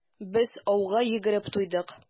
Без ауга йөреп туйдык.